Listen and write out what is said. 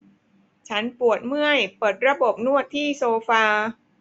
ฉันปวดเมื่อยเปิดระบบนวดที่โซฟา